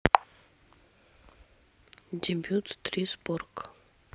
дебют три сборка